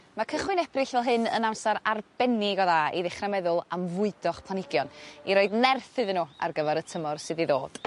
Aa' cychwyn Ebrill fel hyn yn amsar arbennig o dda i ddechra meddwl am fwydo'ch planhigion i roid nerth iddyn n'w ar gyfer y tymor sydd i ddod.